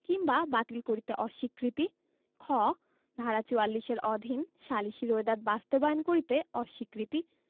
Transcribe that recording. কিংবা বাতিল করিতে অস্বীকৃতি খ ধারা ৪৪ এর অধীন সালিসী রোয়েদাদ বাস্তবায়ন করিতে অস্বীকৃতি